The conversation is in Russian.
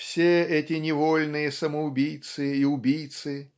Все эти невольные самоубийцы и убийцы